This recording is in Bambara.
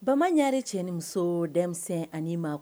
Bama ɲare cɛ nimuso denmisɛnnin ani maa